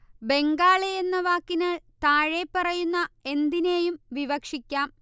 ബംഗാളി എന്ന വാക്കിനാൽ താഴെപ്പറയുന്ന എന്തിനേയും വിവക്ഷിക്കാം